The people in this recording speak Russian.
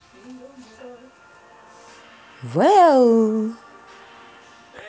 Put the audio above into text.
well